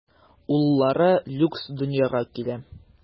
Уллары Люкс дөньяга килә.